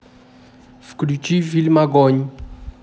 включи фильм огонь